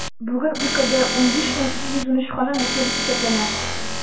Бүген өлкәдә 15213 ханым йөкле дип исәпләнә.